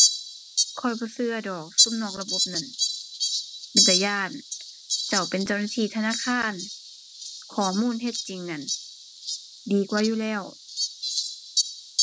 ข้อยบ่เชื่อดอกซุมนอกระบบนั้น เป็นตาย้าน เจ้าเป็นเจ้าหน้าที่ธนาคาร ข้อมูลเท็จจริงนั้น ดีกว่าอยู่แล้ว